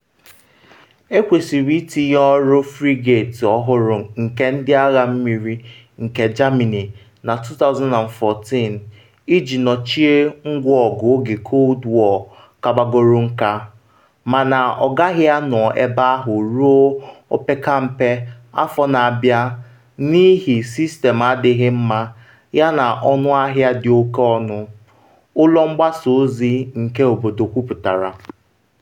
Ekwesịrị itinye n’ọrụ Frigate ọhụrụ nke Ndị Agha Mmiri nke Germany na 2014 iji nọchie ngwa ọgụ oge Cold War kabagoro nka, mana ọ gaghị anọ ebe ahụ ruo opekempe afọ na-abịa n’ihi sistem adịghị mma yana ọnụahịa dị oke ọnụ, ụlọ mgbasa ozi nke obodo kwuputara.